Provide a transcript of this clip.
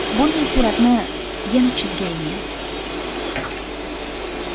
bunday suratni yana chizgaymen